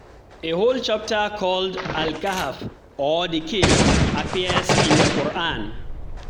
A whole chapter called "Al Kahf" or "The Cave" appears in the Quran.